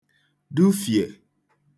dufie